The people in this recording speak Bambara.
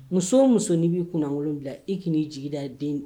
Muso o muso ni b'i kunnaŋolo bila i k'i n'i jigida den